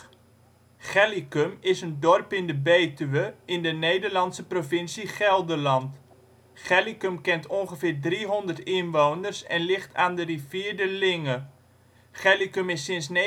Gellicum is een dorp in de Betuwe in de Nederlandse provincie Gelderland. Gellicum kent ongeveer 300 inwoners en het ligt aan de rivier de Linge. Gellicum is sinds 1978 één